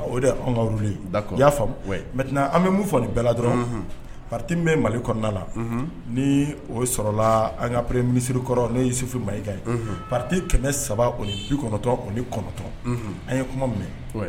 o an ka y'a mɛ an bɛ mun fɔ ni bɛɛ la dɔrɔnti bɛ mali kɔnɔna la ni o sɔrɔlala an kapre misiri kɔrɔ ne yesufu ma ika ye pati kɛmɛ saba bi kɔnɔtɔn o ni kɔnɔtɔn an ye kuma min